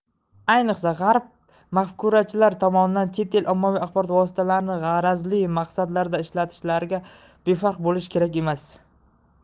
ayniqsa g'arb mafkurachilari tomonidan chet el ommaviy axborot vositalarini g'arazli maqsadlarda ishlatishlariga befarq bo'lish kerak emas